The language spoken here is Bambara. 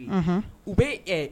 Ɔnhɔn, u bɛ ɛɛ